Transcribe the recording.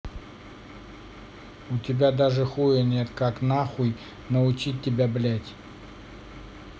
у тебя даже хуя нет как нахуй научить тебя блядь